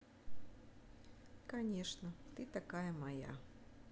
конечно ты такая моя